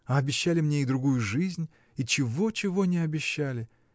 А обещали мне и другую жизнь, и чего-чего не обещали!